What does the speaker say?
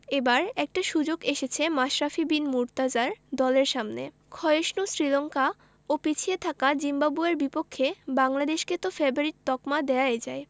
এবার একটা সুযোগ এসেছে মাশরাফি বিন মুর্তজার দলের সামনে ক্ষয়িষ্ণু শ্রীলঙ্কা ও পিছিয়ে থাকা জিম্বাবুয়ের বিপক্ষে বাংলাদেশকে তো ফেবারিট তকমা দেওয়াই যায়